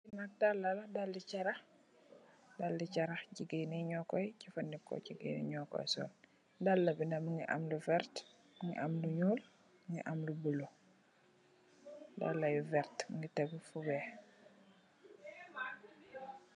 Li nak dal lu la, dali charah. Jigéen yi noo koy jafadeko, jigèen yi noo koy sol. Dal bi nak mungi am lu vert, mungi am lu ñuul, mungi am lu bolu. dalla yu vert mungi tégu fu weeh.